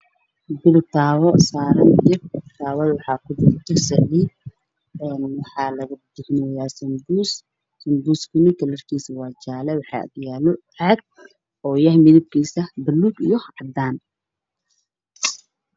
Birtawo saran deeb waxaa ku juro saliid waxaa lagu dubayaa sambuus sambuuska midabkiisa waa jaale waxaa ag yalo caag oo yahay midabkiisa baluug iyo cadan